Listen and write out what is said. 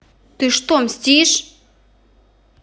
ты что мстишь